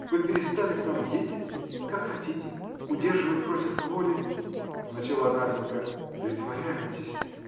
Вы перестали к нам ездить – как хотите. удерживать против воли. – начала Наденька. – Притворяетесь!